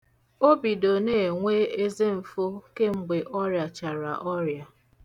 O bido na-enwe ezemfo kemgbe ọ rịachara ọria.